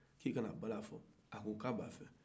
k'i kana bala fɔ a ko k'a b'a fɔ